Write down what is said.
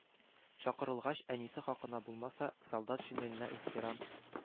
Чакырылгач, әнисе хакына булмаса, солдат шинеленә ихтирам